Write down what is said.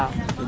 waaw